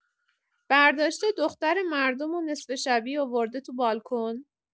برداشته دختر مردم و نصف شبی آورده تو بالکن.